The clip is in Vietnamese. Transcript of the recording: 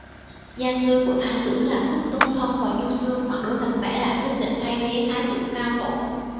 gia sư của thái tử là thúc tôn thông và chu xương phản đối mạnh mẽ lại quyết định thay thế thái tử cao tổ